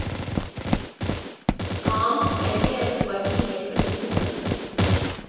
Կա՛մ պետք է ուղղակի երկրից գնանք։